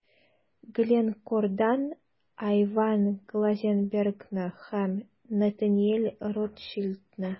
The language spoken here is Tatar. Glencore'дан Айван Глазенбергны һәм Натаниэль Ротшильдны.